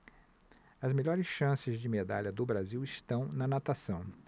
as melhores chances de medalha do brasil estão na natação